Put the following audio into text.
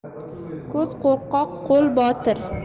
ko'z qo'rqoq qoi botir